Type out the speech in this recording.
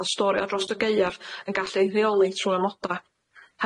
o storio dros y gaeaf yn gallu'u rheoli trw amoda.